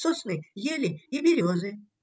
сосны, ели и березы.